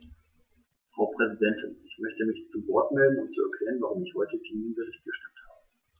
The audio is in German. Frau Präsidentin, ich möchte mich zu Wort melden, um zu erklären, warum ich heute gegen den Bericht gestimmt habe.